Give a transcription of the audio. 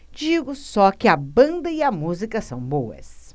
digo só que a banda e a música são boas